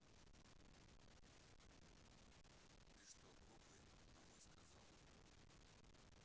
ты что глупый на мы сказал